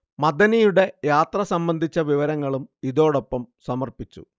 മദനിയുടെ യാത്ര സംബന്ധിച്ച വിവരങ്ങളും ഇതോടൊപ്പം സമർപ്പിച്ചു